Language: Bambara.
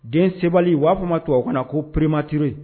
Den sɛbɛnbali b'a fɔ ma to a kana na ko perematiuru